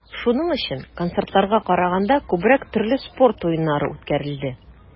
Шуның өчен, концертларга караганда, күбрәк төрле спорт уеннары үткәрелде.